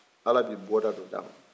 ala bɛ bɔda dɔ di a man